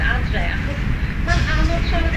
...adre, achos, ma'n anodd siarad